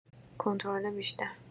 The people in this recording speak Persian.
کنترل بیشتر